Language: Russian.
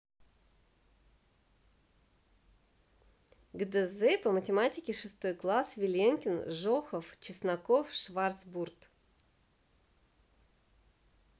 гдз по математике шестой класс виленкин жохов чесноков шварцбурд